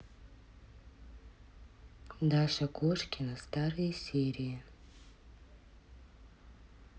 даша кошкина старые серии